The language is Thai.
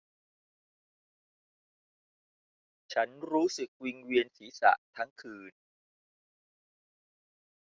ฉันรู้สึกวิงเวียนศีรษะทั้งคืน